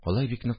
Алай бик нык